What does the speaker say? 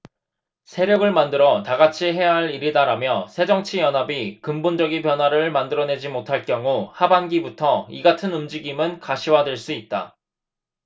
세력을 만들어 다같이 해야할 일이다라며 새정치연합이 근본적이 변화를 만들어내지 못할 경우 하반기부터 이같은 움직임은 가시화될 수 있다